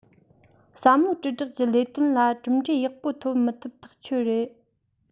བསམ བློའི དྲིལ བསྒྲགས ཀྱི ལས དོན ལ གྲུབ འབྲས ཡག པོ འཐོབ མི ཐུབ ཐག ཆོད རེད